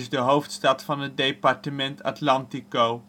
de hoofdstad van het departement Atlántico